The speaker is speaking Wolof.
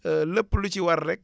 lépp lu ci war rek